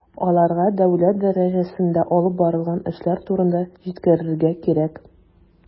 Аларга дәүләт дәрәҗәсендә алып барылган эшләр турында җиткерергә кирәк.